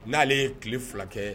N'ale ye tile fila kɛ